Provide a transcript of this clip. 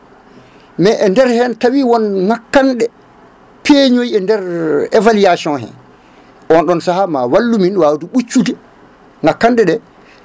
mais e nder hen tawi won ngakkanɗe peeñoyi e nder évaluation he on ɗon saaha ma wallu min ɓuccude ngakkanɗe ɗe